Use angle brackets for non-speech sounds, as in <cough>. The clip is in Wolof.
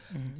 <breath> <hesitation> <hesitation>